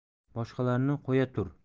boshqalarni qo'yatur